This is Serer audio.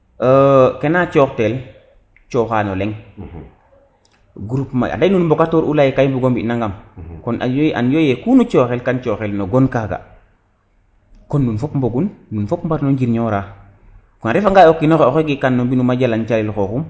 kena coox tel coxano leŋ groupe ande nuun mbokator u leye kan mbugo mbi nangam kan an yo ye kun coxel no gon kaga kon nuun fop mbogun nuun fop mbarno njirñora kon a refa nga ye o kino xe oxey gekan nu mbinum a jalan calel xoxum